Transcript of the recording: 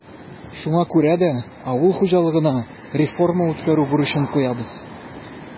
Шуңа күрә дә авыл хуҗалыгына реформа үткәрү бурычын куябыз.